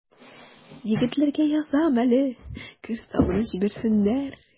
Егетләргә язам әле: кер сабыны җибәрсеннәр.